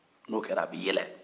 o kɛra a bɛ yɛlɛ